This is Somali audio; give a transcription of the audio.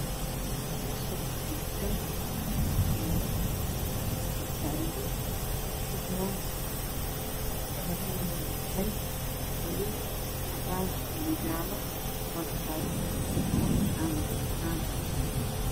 Meeshaani waa tukaan waxaa yaalo gasacyo ku jiraan kaladooda uu yahay buluug cadaan iyo jaalo waa gasacyo wax macaan ku jiraan